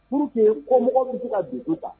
'u tun yen kɔ mɔgɔ bɛ se ka du u ta